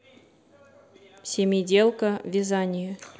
семиделка вязание